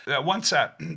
'Wan ta